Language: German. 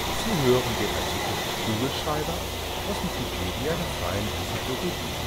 Sie hören den Artikel Kugelschreiber, aus Wikipedia, der freien Enzyklopädie